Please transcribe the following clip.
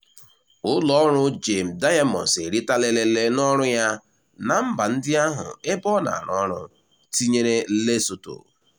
Ụlọ ọrụ Gem Diamonds eritala elele n'ọrụ ya na mba ndị ahụ ebe ọ na-arụ ọrụ, tinyere Lesotho.